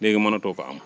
léegi mënatoo koo am